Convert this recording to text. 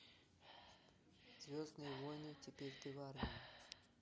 звездные войны теперь ты в армии